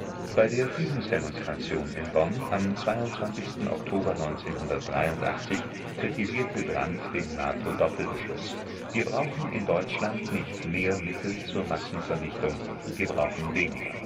Bei der Friedensdemonstration in Bonn am 22. Oktober 1983 kritisierte Brandt den NATO-Doppelbeschluss: „ Wir brauchen in Deutschland nicht mehr Mittel zur Massenvernichtung, wir brauchen weniger